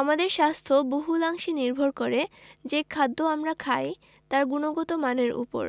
আমাদের স্বাস্থ্য বহুলাংশে নির্ভর করে যে খাদ্য আমরা খাই তার গুণগত মানের ওপর